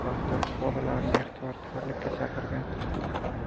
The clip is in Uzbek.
haqda fuqarolarni ehtiyotkorlikka chaqirgan